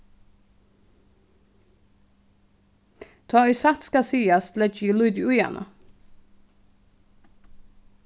tá ið satt skal sigast leggi eg lítið í hana